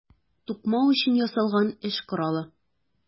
Тукмау өчен ясалган эш коралы.